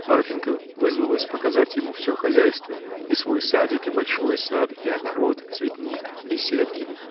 Марфинька вызвалась показать ему всё хозяйство: и свой садик, и большой сад, и огород, цветник, беседки.